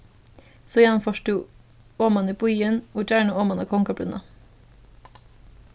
síðani fórt tú oman í býin og gjarna oman á kongabrúnna